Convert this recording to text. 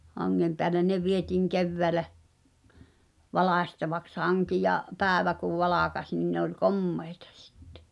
hangen päälle ne vietiin keväällä valkaistavaksi hanki ja päivä kun valkeni niin ne oli komeita sitten